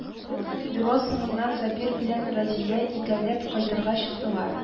Бюро соңыннан Сабир белән Разия икәүләп кайтырга чыктылар